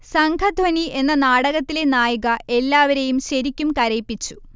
സംഘധ്വനി എന്ന നാടകത്തിലെ നായിക എല്ലാവരെയും ശരിക്കും കരയിപ്പിച്ചു